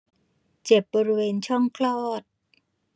เจ็บบริเวณช่องคลอด